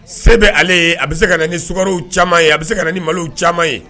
Se bɛ ale ye a bɛ se ka na ni skaw caman ye a bɛ se ka ni malow caman ye